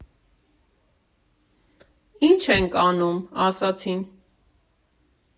Ի՞նչ ենք անում, ֊ ասացին։